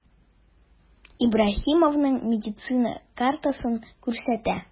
Ибраһимовның медицина картасын күрсәтә.